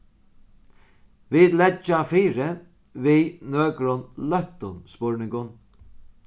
vit leggja fyri við nøkrum løttum spurningum